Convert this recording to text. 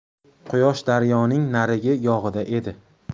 quyosh daryoning narigi yog'ida edi